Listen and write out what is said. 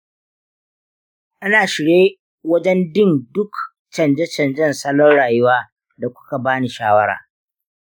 ina shirye wajen din duk canje-canjen salon rayuwa da kuka ba ni shawara.